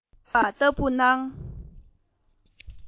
འགྱུར བཞིན པ ལྟ བུར སྣང